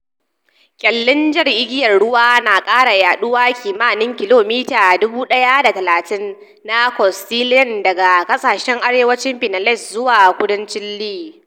Kyallin Jar Igiyar Ruwa na kara yaduwa kimanin kilomita 130 na coastline daga kasashen arewacin Pinellas zuwa kudancin Lee.